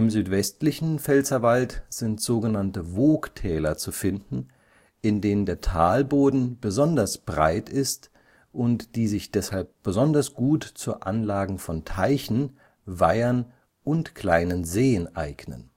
südwestlichen Pfälzerwald sind sogenannte Woogtäler zu finden, in denen der Talboden besonders breit ist und die sich deshalb besonders gut zur Anlage von Teichen (= Wooge), Weihern und kleinen Seen eignen